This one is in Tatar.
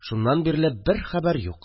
Шуннан бирле бер хәбәр юк